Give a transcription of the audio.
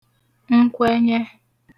nkwẹnyẹ